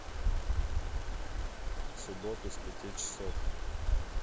в субботу с пяти часов